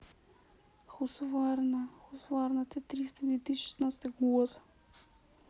хускварна husqvarna те триста две тысячи шестнадцатый год